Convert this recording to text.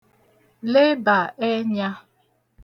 lebà ẹnyā